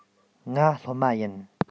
ང སློབ མ ཡིན